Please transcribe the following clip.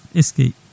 eskey